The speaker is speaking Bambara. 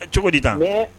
Cogo di taa